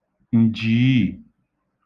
ǹjìiì